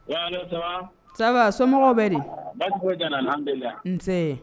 Saba somɔgɔw bɛ di nse